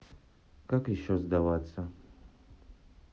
как еще сдаваться